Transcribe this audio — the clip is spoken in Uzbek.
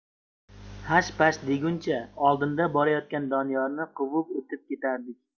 hash pash deguncha oldinda borayotgan doniyorni quvib o'tib ketardik